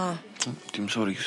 O dim soris.